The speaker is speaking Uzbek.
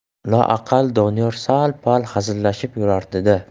loaqal doniyor sal pal hazillashib yurardida